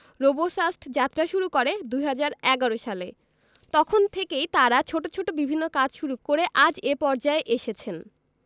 রোবোসাস্ট যাত্রা শুরু করে ২০১১ সালে তখন থেকেই তারা ছোট ছোট বিভিন্ন কাজ শুরু করে আজ এ পর্যায়ে এসেছেন